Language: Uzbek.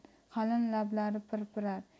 qalin lablari pirpirar